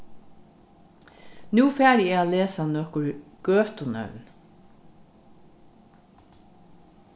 nú fari eg at lesa nøkur gøtunøvn